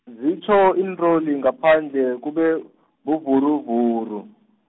zitjho iinlori ngaphandle kube, buvuruvuru.